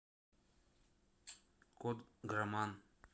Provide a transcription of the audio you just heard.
кот граман